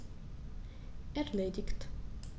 Erledigt.